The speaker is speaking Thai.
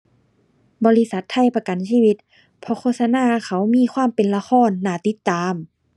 บริษัทไทยประกันชีวิต เพราะโฆษณาเขามีความเป็นละคร น่าติดตาม ⁠